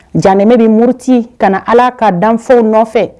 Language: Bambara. Janɛmɛ bɛ muruti ka na allah ka danfɛnw nɔfɛ.